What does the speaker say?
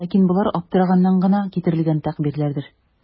Ләкин болар аптыраганнан гына китерелгән тәгъбирләрдер.